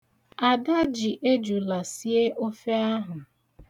Ada ji ejula sie ofe ahụ.